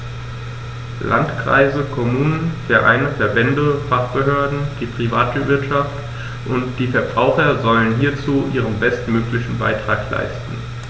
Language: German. Landkreise, Kommunen, Vereine, Verbände, Fachbehörden, die Privatwirtschaft und die Verbraucher sollen hierzu ihren bestmöglichen Beitrag leisten.